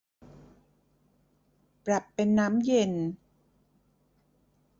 ปรับเป็นน้ำเย็น